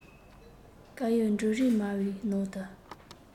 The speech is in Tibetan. དཀར ཡོལ འབྲུག རིས མའི ནང དུ